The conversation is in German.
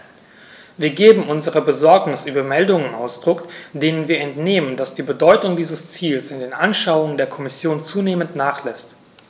Wir geben unserer Besorgnis über Meldungen Ausdruck, denen wir entnehmen, dass die Bedeutung dieses Ziels in den Anschauungen der Kommission zunehmend nachlässt.